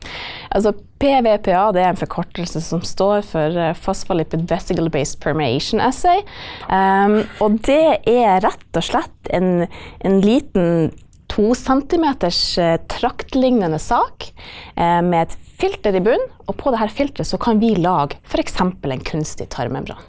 altså PVPA det er en forkortelse som står for , og det er rett og slett en en liten to centimeters traktlignende sak med et filter i bunnen, og på det her filteret så kan vi lage f.eks. en kunstig tarmmembran.